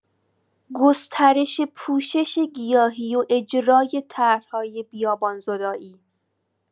گسترش پوشش گیاهی و اجرای طرح‌های بیابان‌زدایی